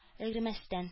Өлгермәстән